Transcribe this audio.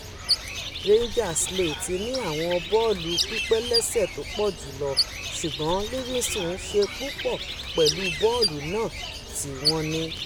Rangers leè ti ní àwọn bọ́ọ̀lù pípẹ́lẹ́sẹ̀ tópọ̀jùlọ̀ ṣùgbọ́n Livingston ṣe púpọ̀ pẹ̀lú bọ́ọ̀lù náà tíwọ́n ní.